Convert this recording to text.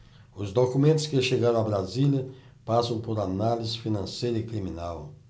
os documentos que chegaram a brasília passam por análise financeira e criminal